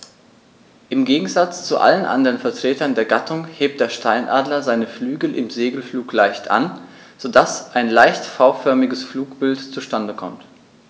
Im Gegensatz zu allen anderen Vertretern der Gattung hebt der Steinadler seine Flügel im Segelflug leicht an, so dass ein leicht V-förmiges Flugbild zustande kommt.